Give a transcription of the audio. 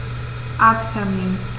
Arzttermin